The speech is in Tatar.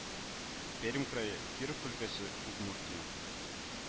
Пермь крае, Киров өлкәсе, Удмуртия